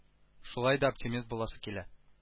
Шулай да оптимист буласы килә